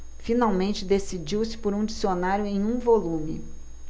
finalmente decidiu-se por um dicionário em um volume